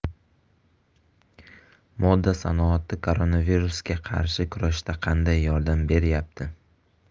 moda sanoati koronavirusga qarshi kurashda qanday yordam beryapti